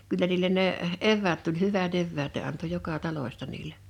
kyllä niille ne eväät tuli hyvät eväät ne antoi joka talosta niille